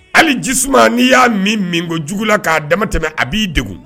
Hali ji suma n'i y'a min min ko jugu la k'a dama tɛmɛ a b'i deg